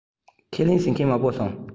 ཁས ལེན བྱེད མཁན མང པོ བྱུང